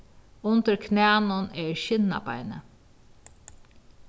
undir knænum er skinnabeinið